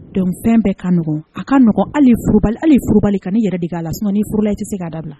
Dɔnkufɛn bɛ kaɔgɔn a kaɔgɔnbali ka ne yɛrɛ de k'a la sɔn iurula tɛ se ka dabila